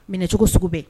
Minɛ cogo sugu bɛ